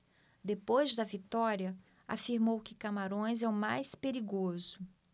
depois da vitória afirmou que camarões é o mais perigoso